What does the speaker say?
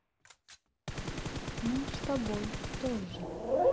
ну с тобой тоже